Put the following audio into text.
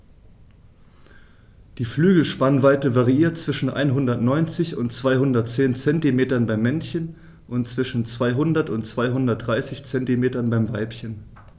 Die Flügelspannweite variiert zwischen 190 und 210 cm beim Männchen und zwischen 200 und 230 cm beim Weibchen.